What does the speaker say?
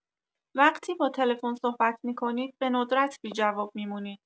وقتی با تلفن صحبت می‌کنید به‌ندرت بی‌جواب می‌مونید.